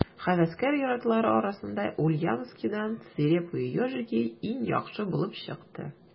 Һәвәскәр ир-атлар арасында Ульяновскидан «Свирепые ежики» иң яхшы булып чыкты.